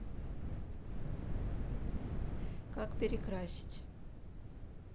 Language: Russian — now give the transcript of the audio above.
как перекрасить